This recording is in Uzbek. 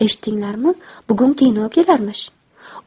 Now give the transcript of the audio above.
eshitdinglarmi bugun kino kelarmish